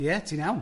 Ie, ti'n iawn.